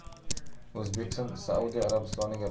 o'zbekiston saudiya arabistoniga